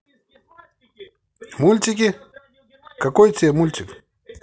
мультики какой тебе мультик